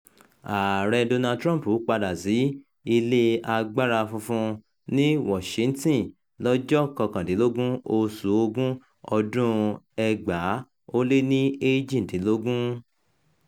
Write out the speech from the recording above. Ààrẹ Donald Trump padà sí Ilé Agbára Funfun ní Washington lọ́jọ́ 19 oṣù Ògún, ọdún-un 2018.